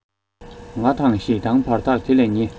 ང དང ཞེ སྡང བར ཐག དེ ལས ཉེ